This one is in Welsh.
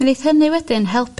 Mi eith hynny wedyn